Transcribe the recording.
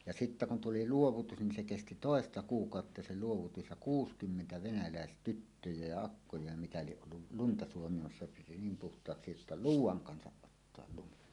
ja sitten kun tuli luovutus niin se kesti toista kuukautta se luovutus ja kuusikymmentä venäläistyttöä ja akkoja ja mitä lie ollut lunta suomimassa piti niin puhtaaksi jotta luudan kanssa ottaa lumi